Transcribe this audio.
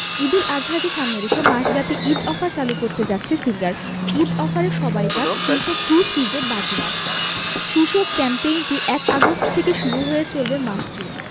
ঈদুল আজহাকে সামনে রেখে মাসব্যাপী ঈদ অফার চালু করতে যাচ্ছে সিঙ্গার ঈদ অফারে সবাই কাত ৩০০ ফ্রি ফ্রিজে বাজিমাত শীর্ষক ক্যাম্পেইনটি ১ আগস্ট থেকে শুরু হয়ে চলবে মাস জুড়ে